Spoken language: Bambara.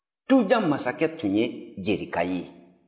tujan masakɛ tun ye jerika ye